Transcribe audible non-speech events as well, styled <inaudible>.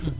<hesitation> <hesitation>